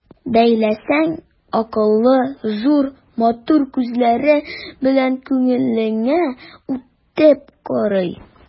Бәйләсәң, акыллы, зур, матур күзләре белән күңелеңә үтеп карый.